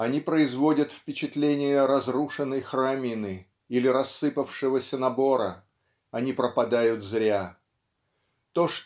они производят впечатление разрушенной храмины или рассыпавшегося набора они пропадают зря. То